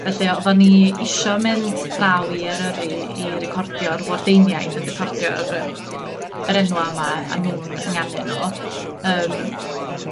felly oddan ni isio mynd draw i Eryri i recordio'r wardeiniaid yn recordio'r yym yr enwa' 'ma a nw'n ynganu nw yym